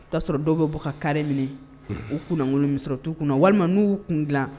O y'a sɔrɔ dɔw bɛ bɔ ka kari minɛ u kunkolon sɔrɔ tu'u kunna walima n'u kun dila